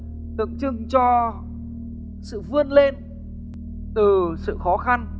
tượng trưng cho sự vươn lên từ sự khó khăn